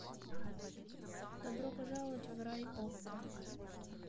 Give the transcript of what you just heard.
добро пожаловать в рай окко